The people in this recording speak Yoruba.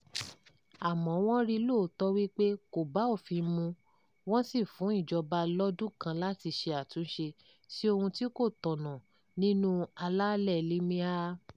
Àmọ́ wọ́n rí i lóòótọ́ wípé kò bá òfin mu wọ́n sì fún ìjọba lọ́dún kan láti ṣe àtúnṣe sí ohun tí kò tọ̀nà nínú àlàálẹ̀ LMA.